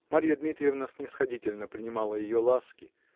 Марья Дмитриевна снисходительно принимала ее ласки